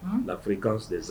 Hmmm la fréquence des a